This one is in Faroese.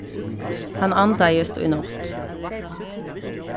hann andaðist í nátt